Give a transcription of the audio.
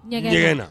Yɛrɛ la